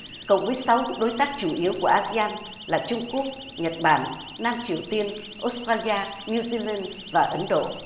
cộng với sáu đối tác chủ yếu của a se an là trung quốc nhật bản nam triều tiên ốt trây li a niu di lân và ấn độ